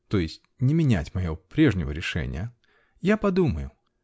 то есть не менять моего прежнего решения, -- я подумаю.